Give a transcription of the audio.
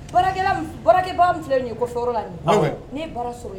Kɛba filɛ ye ko fɛrɛ la ni bɔra so ye